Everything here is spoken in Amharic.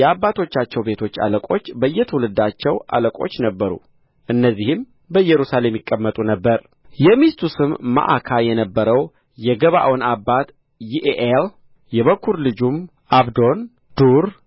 የአባቶቻቸው ቤቶች አለቆች በየትውልዳቸው አለቆች ነበሩ እነዚህም በኢየሩሳሌም ይቀመጡ ነበር የሚስቱ ስም መዓካ የነበረው የገባዖን አባት ይዒኤል የበኵር ልጁም ዓብዶን ዱር